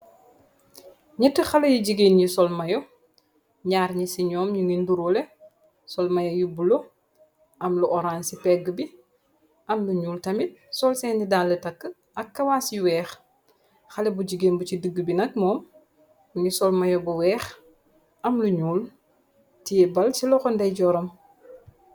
ñett xale yu jigéen yi solmayo ñaar ñi ci ñoom yu ngi ndurole solmayo yu bulo am lu oran ci pegg bi am lu ñuul tamit sool seeni dan la takk ak kawaas yu weex xale bu jigéen bu ci dëgg bi nag moom ngi solmayo bu weex am lu ñuul tiébbal ci loxo ndey joram